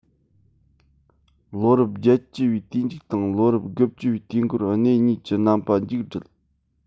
ལོ རབས བརྒྱད ཅུ པའི དུས མཇུག དང ལོ རབས དགུ བཅུ པའི དུས འགོར སྣེ གཉིས ཀྱི རྣམ པ མཇུག བསྒྲིལ